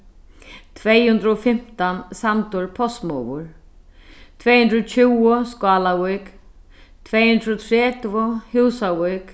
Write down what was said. tvey hundrað og fimtan sandur postsmogur tvey hundrað og tjúgu skálavík tvey hundrað og tretivu húsavík